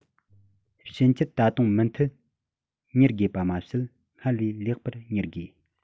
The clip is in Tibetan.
ཕྱིན ཆད ད དུང མུ མཐུད གཉེར དགོས པ མ ཟད སྔར ལས ལེགས པར གཉེར དགོས